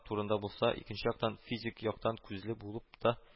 Турында булса, икенче яктан, - физик яктан күзле булып та